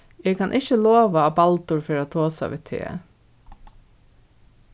eg kann ikki lova at baldur fer at tosa við teg